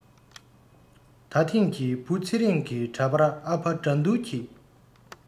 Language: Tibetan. ད ཐེངས ཀྱི བུ ཚེ རིང གི འདྲ པར ཨ ཕ དགྲ འདུལ གྱི